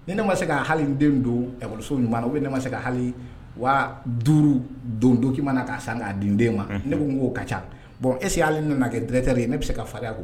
Ni ne ma se ka hali n den don lakɔliso ɲuman na ou bien ni ne ma se ka hali 25000F don document na k'a san k'a di n den ma ne ko n k'o ka ca bon est ce que hali ni ne nana kɛ directeur ye ne bɛ se ka farinya k'o